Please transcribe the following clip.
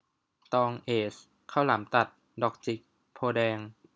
ตองเอซข้าวหลามตัดดอกจิกโพธิ์แดง